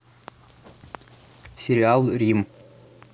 сериал рим